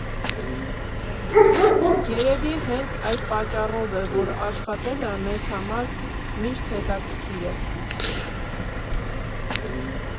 Երևի հենց այդ պատճառով է, որ աշխատելը մեզ համար միշտ հետաքրքիր է։